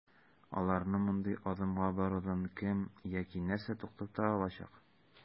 Аларны мондый адымга барудан кем яки нәрсә туктата алачак?